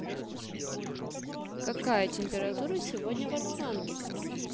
какая температура сегодня в архангельске